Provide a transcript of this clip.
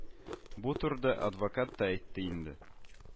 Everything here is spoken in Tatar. Бу турыда адвокат та әйтте инде